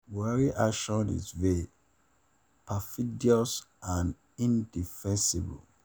Buhari’s action is vile, perfidious and indefensible.